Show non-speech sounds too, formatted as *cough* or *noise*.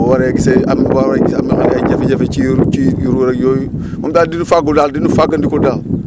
boo waree gisee am *noise* boo waree gisee am *noise* ñoo xam ne ay jafe-jafe ci ci ruuj ak yooyu *noise* moom daal di nu faggu daal di nu faggandiku daal *noise*